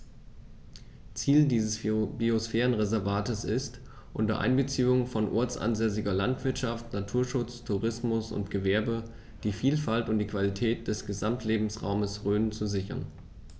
Ziel dieses Biosphärenreservates ist, unter Einbeziehung von ortsansässiger Landwirtschaft, Naturschutz, Tourismus und Gewerbe die Vielfalt und die Qualität des Gesamtlebensraumes Rhön zu sichern.